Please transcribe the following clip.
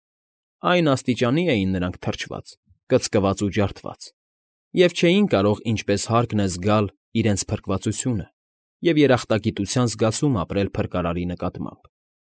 Այն աստիճան էին նրանք թրջված, կծկված ու ջարդված, որ չէին կարող ինչպես հարկն է զգալ իրենց փրկվածությունը և երախտագիտության զգացում ապրել փրկարարի նկատմամբ։